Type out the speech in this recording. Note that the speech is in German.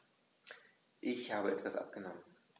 Ich habe etwas abgenommen.